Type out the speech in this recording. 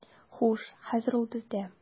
Хуш, хәзер ул бездә.